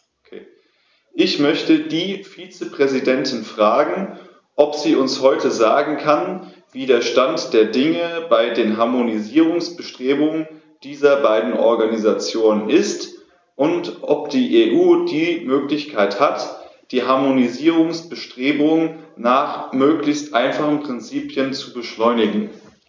Ich möchte die Vizepräsidentin fragen, ob sie uns heute sagen kann, wie der Stand der Dinge bei den Harmonisierungsbestrebungen dieser beiden Organisationen ist, und ob die EU die Möglichkeit hat, die Harmonisierungsbestrebungen nach möglichst einfachen Prinzipien zu beschleunigen.